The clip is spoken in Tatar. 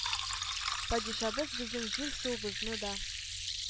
— падишабыз безнең җир-суыбызны да,